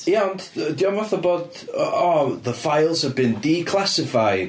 Ie, ond dy- dio'm fatha bod, "oh, the files have been declassified".